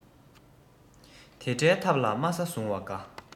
དེ འདྲའི ཐབས ལ དམའ ས བཟུང བ དགའ